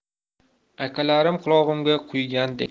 akalarim qulog'imga quygandek